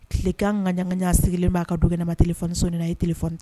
Tilekan kaɲakan' sigilen b'a ka du kɛnɛma deli f sɔnni a yeeli foni